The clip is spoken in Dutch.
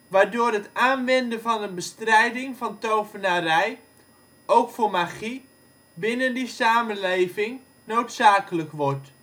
waardoor het aanwenden van een bestrijding van tovenarij - ook door magie - binnen die samenleving noodzakelijk wordt